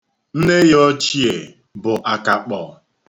Nne ya ochie bụ akakpọ.